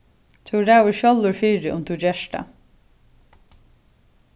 tú ræður sjálvur fyri um tú gert tað